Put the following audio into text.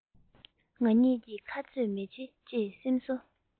ང གཉིས ཁ རྩོད མི བྱེད ཅེས སེམས གསོ